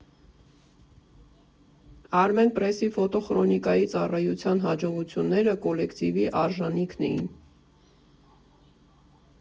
«Արմենպրեսի» ֆոտոխրոնիկայի ծառայության հաջողությունները կոլեկտիվի արժանիքն էին։